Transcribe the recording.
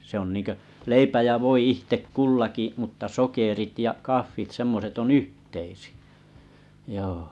se on niin kuin leipä ja voi itse kullakin mutta sokerit ja kahvit semmoiset on yhteisiä joo